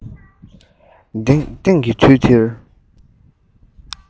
དེང གི དུས འདིར